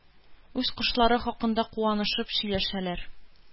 Үз кошлары хакында куанышып сөйләшәләр,